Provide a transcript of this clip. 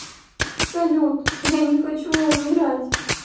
салют я не хочу умирать